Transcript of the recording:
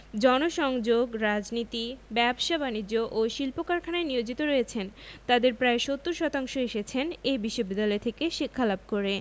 জনসংযোগ রাজনীতি ব্যবসা বাণিজ্য ও শিল্প কারখানায় নিয়োজিত রয়েছেন তাঁদের প্রায় ৭০ শতাংশ এসেছেন এ বিশ্ববিদ্যালয় থেকে শিক্ষালাভ করে